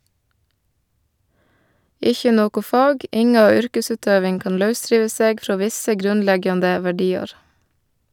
Ikkje noko fag, inga yrkesutøving, kan lausrive seg frå visse grunnleggjande verdiar.